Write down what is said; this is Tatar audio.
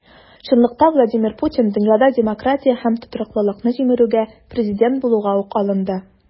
Чынлыкта Владимир Путин дөньяда демократия һәм тотрыклылыкны җимерүгә президент булуга ук алынды.